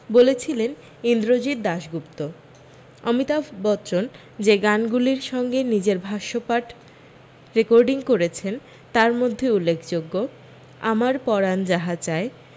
বলেছিলেন ইন্দ্রজিত দাশগুপ্ত অমিতাভ বচ্চন যে গানগুলির সঙ্গে নিজের ভাষ্যপাঠ রেকর্ডিং করেছেন তার মধ্যে উল্লেখযোগ্য আমার পরাণ যাহা চায়